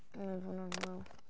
Oedd hwnna'n hwyl.